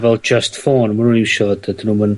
...fel jyst ffôn ma' nw'n iwsio dydyn nw'm yn